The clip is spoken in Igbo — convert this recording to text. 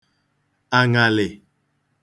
cha àṅàlị̀